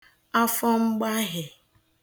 afọ mgbahị̀